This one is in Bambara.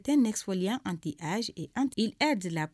est un expoluant anti age et